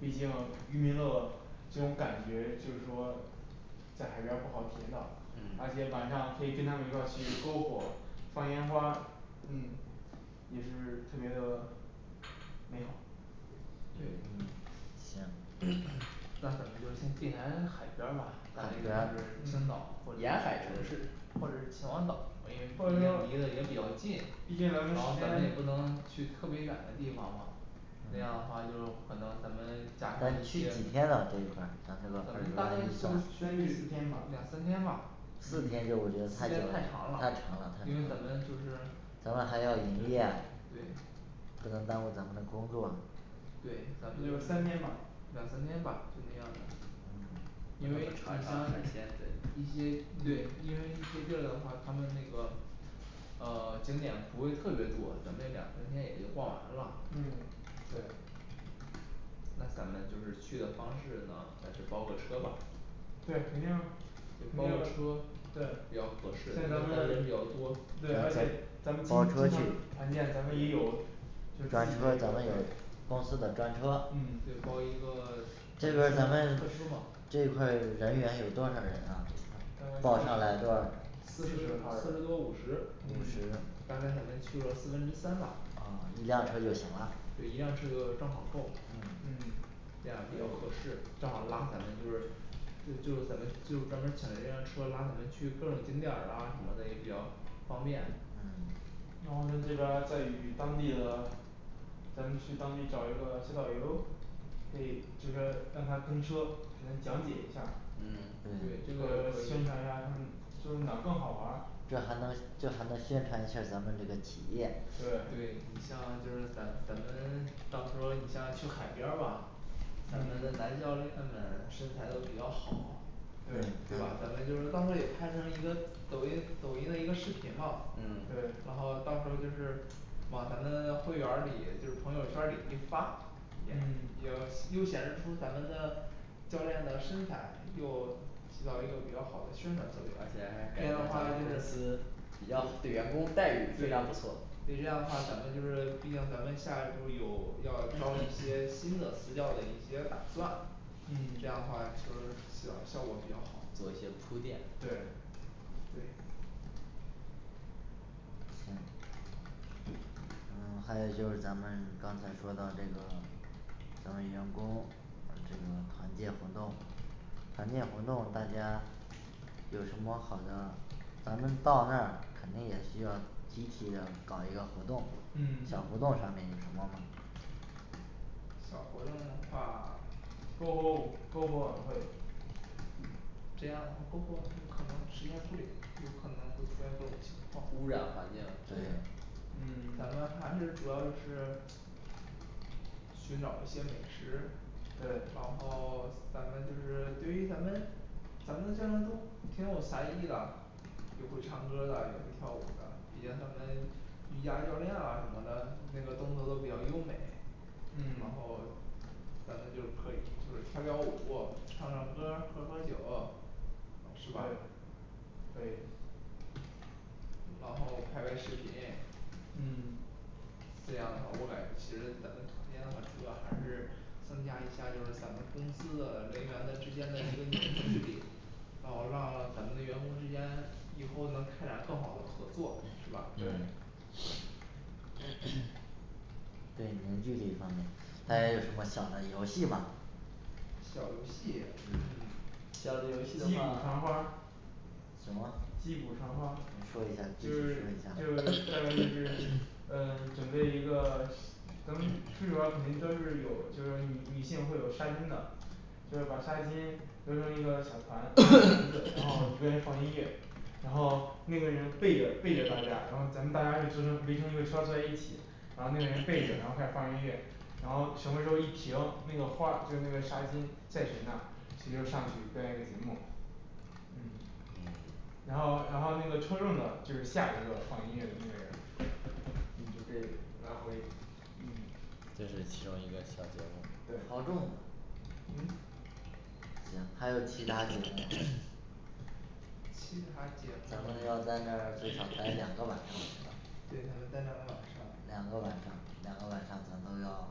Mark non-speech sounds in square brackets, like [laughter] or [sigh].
毕竟渔民乐这种感觉就是说在海边儿不好体验到而且晚嗯上可以跟他们一块儿去篝火 [silence] 放烟花嗯也是特别的美好对行 [hesitation] 那咱们就先定沿海边儿吧大概就是青岛或者嗯沿海城市是或者是秦皇岛因或者说毕竟为毕竟离得也比较近咱们然后咱们也不能时间去特别远的地方嘛那样的话就是可能咱们加快咱一去些反几正大天概呢就这去一块儿咱这个两三四天三吧天吧嗯四四天天就我觉得太长了太太长长了太了长因为咱们就是了咱们还要营对对业不能耽误咱们的工作对咱们就两三三天天吧吧就那样吧因为你像一些对因为一些地儿的话他们那个嗯 [silence] 景点不会特别多咱们两三天也就逛完了嗯对那咱们就是去的方式呢还是包个车吧对肯定肯定对像咱就包个车比较合适因为咱们们人比较多对而且咱们经包经常车去团建咱们也有就自己的一个客专车咱们也有公司的专车嗯对包一个这块客儿咱们车嘛这一块人员有多少人啊大概报上来多少人四四十十四多号人十多五五十十嗯大概咱们去了四分之三吧嗯一辆车就行了对一辆车就正好够嗯嗯这样比较合适正好拉咱们就是就咱们就专门请人家车拉咱们去逛个景点儿啊什么的也比较方便嗯然后在这边在与当地的咱们去当地找一个小导游可以就是说让他跟车给咱讲解一下儿嗯对宣传一下他们就哪儿更好玩儿这还能这还能宣传一下儿咱们这个企业对这个可以，对对你像就是咱咱们到时候你像去海边儿吧咱们的嗯男教练们身材都比较好对对吧咱们就是到时候也拍成一个抖音抖音的一个视频嘛然嗯后对到时候就是往咱们会员儿里就是朋友圈儿里一发也也嗯又又显示出咱们的教练的身材又起到一个比较好的宣传作用而这且咱样们的话就公司是比较对员工待遇对非对常不错这样的话咱们就是毕竟咱们下一步有要招一些新的私教的一些打算这样的嗯话确实效效果比较好做一些铺垫对对嗯还有就是咱们刚才说到这个咱们员工这个团建活动团建活动大家有什么好的咱们到那儿肯定也需要集体的搞一个活动小活动上面有嗯嗯什么吗小活动的话篝火舞篝火晚会这样篝火晚会可能体验不了有可能会出现各种情这样况污染环境这样嗯 [silence] 咱们还是主要就是寻找一些美食然对后咱们就是对于咱们咱们的教练都挺有才艺的又会唱歌儿了又会跳舞的体现他们瑜伽教练啊什么的那个动作都比较优美然后嗯咱们就是可以就是跳跳舞唱唱歌儿喝喝酒是吧对可以然后拍拍视频嗯这样的话我感觉其实咱们团建的话主要还是增加一下就是咱们公司的人员的之间的一个& [hesitation] &阅历然后让咱们的员工之间以后能开展更好的合作是吧嗯对对年聚这一方面&嗯&大家有什么小的游戏吗小游戏小嗯游戏击的鼓传花话儿什么击鼓传花说一下就具体是说一就是下大概就是嗯准备一个 [silence] 咱们去出去玩儿肯定都是有就是女女性会有纱巾的就是把纱巾揉成一个小团& [hesitation] &小团子然后一边放音乐然后那个人背着背着大家然后咱们大家是坐成围成一个圈儿坐在一起然后那个人背着然后开始放音乐然后什么时候一停那个花儿就是那个纱巾在谁那谁就上去表演一个节目嗯嗯然后然后那个抽中的就是下一个放音乐的那个人你就可以拉回嗯这是其中一个小节对好中目吗嗯行还有其他节目吗其它节咱们要在目那儿最少呆两个晚上是吧对在那个呆两两个个晚上晚上两个晚上咱都要